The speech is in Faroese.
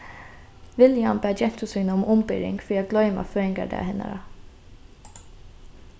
villiam bað gentu sína um umbering fyri at gloyma føðingardag hennara